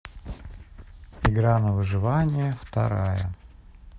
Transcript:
игра на выживание вторая